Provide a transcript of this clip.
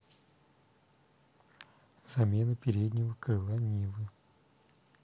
замена переднего крыла нивы